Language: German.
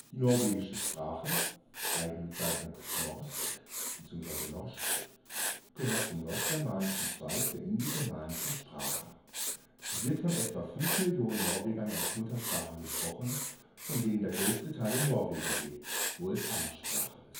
norwegische Sprache (Eigenbezeichnung: norsk, sprich: [norsk] bzw. [noschk]) gehört zum nordgermanischen Zweig der indogermanischen Sprachen. Sie wird von etwa 5 Millionen Norwegern als Muttersprache gesprochen, von denen der größte Teil in Norwegen lebt, wo es Amtssprache